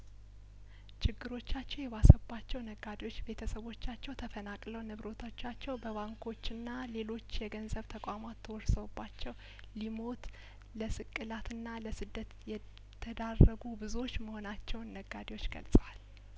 ችግሮቻቸው የባሰባቸው ነጋዴዎች ቤተሰቦቻቸው ተፈናቅለው ንብረቶቻቸው በባንኮችና ሌሎች የገንዘብ ተቋማት ተወርሰውባቸው ሊሞት ለስቅላትና ለስደት የተዳረጉ ብዙዎች መሆናቸውን ነጋዴዎች ገልጸዋል